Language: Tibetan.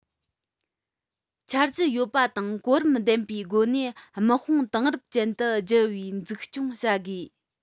འཆར གཞི ཡོད པ དང གོ རིམ ལྡན པའི སྒོ ནས དམག དཔུང དེང རབས ཅན དུ འགྱུར བའི འཛུགས སྐྱོང བྱ དགོས